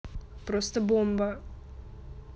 просто бомба